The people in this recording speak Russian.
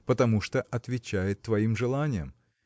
потому что отвечает твоим желаниям.